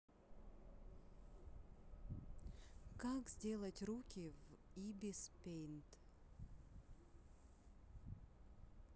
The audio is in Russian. как сделать руки в ибис пеинт